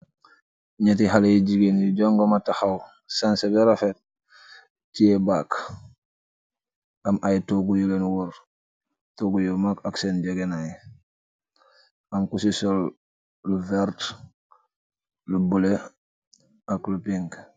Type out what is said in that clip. Nyate haleh yu jegain yu joguma tahaw sanseh ba refet teyee bag, am ayee toogu yulenn wurr, toogu yu mag ak sen nyegenay, am kuse sol lu werrta , lu blue ak lu pink.